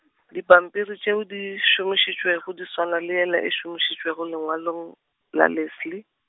dipampiri tšeo di šomišitšwego di tšhwana le yela e šomišitšwego lengwalong, la Leslie.